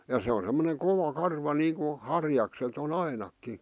ja se on semmoinen kova karva niin kuin harjakset on ainakin